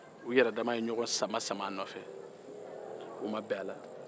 u yɛrɛdama ye ɲɔgɔn sama-sama nɔfɛ u ma bɛn a la